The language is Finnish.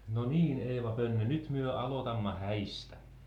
no niin Eeva Pönne nyt me aloitamme häistä